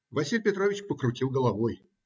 - Василий Петрович покрутил головой.